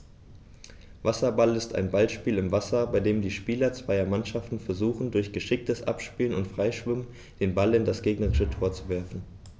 Wasserball ist ein Ballspiel im Wasser, bei dem die Spieler zweier Mannschaften versuchen, durch geschicktes Abspielen und Freischwimmen den Ball in das gegnerische Tor zu werfen.